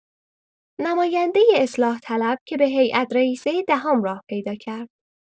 نماینده اصلاح‌طلب که به هیات رییسه دهم راه پیدا کرد.